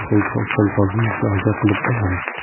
bo'lsangiz kolxozimizga azo qilib olamiz